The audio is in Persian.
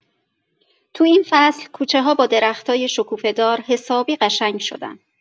تو این فصل، کوچه‌ها با درختای شکوفه‌دار حسابی قشنگ شدن.